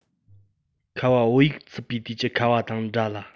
ཁ བ བུ ཡུག འཚུབ པའི དུས ཀྱི ཁ བ དང འདྲ ལ